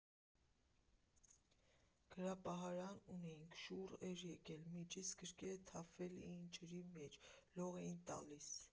Գրապահարան ունեինք, շուռ էր եկել, մեջից գրքերը թափվել էին ջրի մեջ, լող էին տալիս։